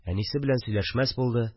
Әнисе белән сөйләшмәс булды